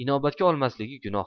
inobatga olmasligi gunoh